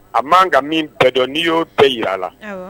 A man ka min bɛɛ dɔn n'i y'o bɛɛ jira a la